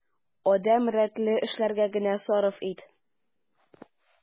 Адәм рәтле эшләргә генә сарыф ит.